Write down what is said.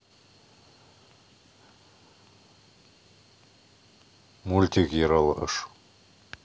мультик ералаш